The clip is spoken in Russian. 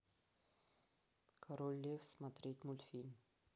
король лев смотреть мультфильм